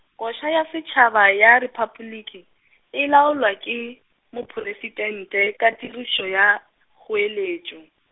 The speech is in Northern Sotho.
koša ya setšhaba ya Repabliki, e laolwa ke, mopresitente ka tirišo ya, kgoeletšo.